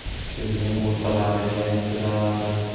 kuzning o'rtalariga keladi